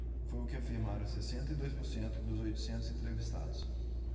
foi o que afirmaram sessenta e dois por cento dos oitocentos entrevistados